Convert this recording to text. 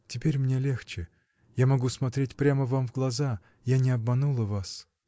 Теперь мне легче — я могу смотреть прямо вам в глаза, я не обманула вас.